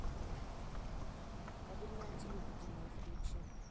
кабельное телевидение включи